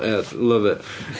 Ia love it.